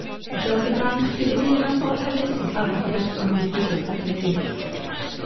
adeiladu brand chdi dy hun mewn ffordd hefyd? So, pa fath o berson wyt ti? Be ti'n licio wneud?